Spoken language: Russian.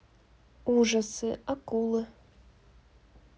ужасы акулы